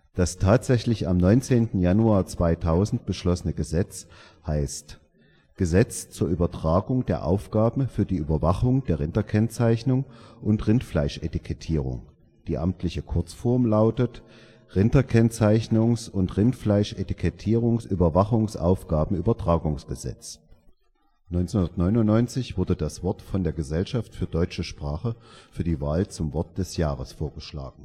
Das tatsächlich am 19. Januar 2000 beschlossene Gesetz heißt Gesetz zur Übertragung der Aufgaben für die Überwachung der Rinderkennzeichnung und Rindfleischetikettierung, die amtliche " Kurzform " lautet Rinderkennzeichnungs - und Rindfleischetikettierungsüberwachungsaufgabenübertragungsgesetz. 1999 wurde das Wort von der Gesellschaft für deutsche Sprache für die Wahl zum Wort des Jahres vorgeschlagen